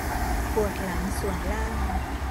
ปวดหลังส่วนล่าง